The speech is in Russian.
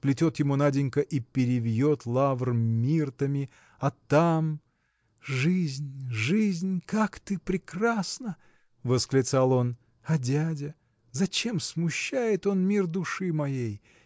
сплетет ему Наденька и перевьет лавр миртами а там. Жизнь, жизнь, как ты прекрасна! – восклицал он. – А дядя? Зачем смущает он мир души моей?